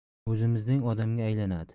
o'zimizning odamga aylanadi